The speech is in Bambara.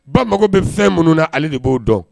Ba mago bɛ fɛn minnu na ale de b'o dɔn